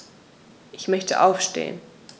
Ich möchte aufstehen.